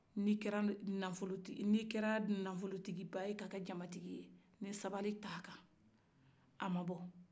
n'i kɛra nafolotigi-n'i kɛra nafolotigiba ye ka kɛ jamatigi ye ni sabari t'a kan a ma bɔ